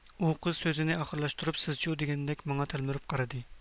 مىكروسكوپ قىممەتلىك ئەسۋاب چوقۇم ئېھتىيات بىلەن ئىشلىتىڭلار